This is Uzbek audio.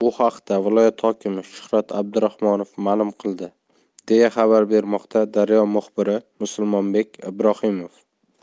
bu haqda viloyat hokimi shuhrat abdurahmonov ma'lum qildi deya xabar bermoqda daryo muxbiri musulmonbek ibrohimov